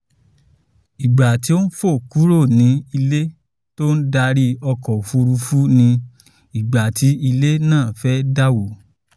Ìgbà tí ó fò kúrò ní ilé tó ń darí ọkọ̀-òfúrufú ni ìgbà tí ilé náà fẹ́ dà wó.